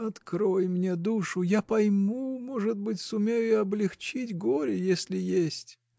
— Открой мне душу: я пойму, может быть, сумею облегчить горе, если есть.